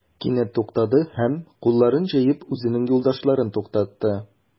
Кинәт туктады һәм, кулларын җәеп, үзенең юлдашларын туктатты.